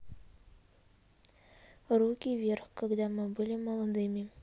руки вверх когда мы были молодыми